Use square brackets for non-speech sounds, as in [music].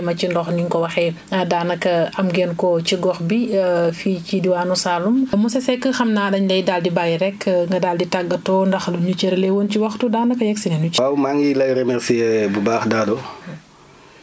ci wàllu fin de la saison bi ndax li ngeen doon xayma ci ndox ni nga ko waxee daanaka am ngeen ko ci gox bi [hesitation] fii ci diwaanu Saloum monsieur Seck xam naa dañ lay daal di bàyyi rekk [hesitation] nga daal di tàggatoo ndax liñ ñu cëralee woon ci waxtu daanaka yegg si nañu ci